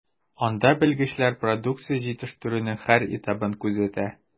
Анда белгечләр продукция җитештерүнең һәр этабын күзәтә.